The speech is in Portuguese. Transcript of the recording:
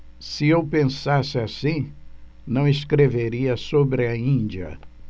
se eu pensasse assim não escreveria sobre a índia